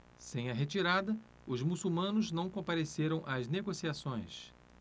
sem a retirada os muçulmanos não compareceram às negociações